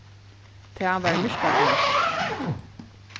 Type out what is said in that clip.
tað var myrkagrønt